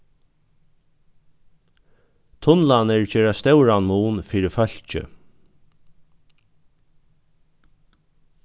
tunlarnir gera stóran mun fyri fólkið